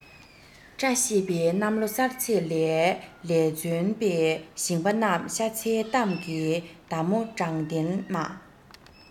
བཀྲ ཤིས པའི གནམ ལོ གསར ཚེས ལས ལ བརྩོན པའི ཞིང པ རྣམས ཤ ཚའི གཏམ གྱི མདའ མོ དྲང བདེན མ